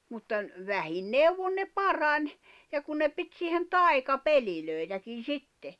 mutta - vähin neuvoin ne parani ja kun ne piti siihen taikapelejäkin sitten